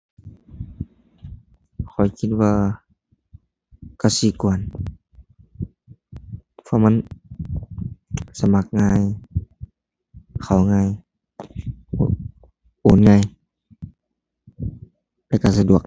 ข้อยคิดว่ากสิกร เพราะมัน สมัครง่าย เข้าง่าย โอนง่าย แล้วก็สะดวก